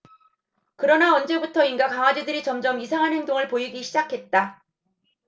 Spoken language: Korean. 그러나 언제부터인가 강아지들이 점점 이상한 행동을 보이기 시작했다